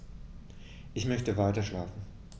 Ich möchte weiterschlafen.